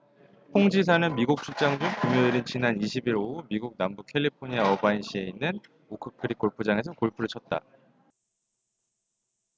홍 지사는 미국 출장 중 금요일인 지난 이십 일 오후 미국 남부 캘리포니아 어바인시에 있는 오크 크릭 골프장에서 골프를 쳤다